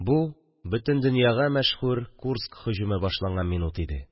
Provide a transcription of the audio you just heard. Бу – бөтен дөньяга мәшһүр Курск һөҗүме башланган минут иде